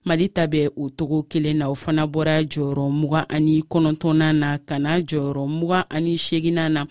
mali ta b'o cogo kelen na o fana bɔra jɔyɔrɔ 29nan na ka na jɔyɔrɔ 28nan na